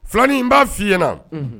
Filanin in b'a f' i yen ɲɛna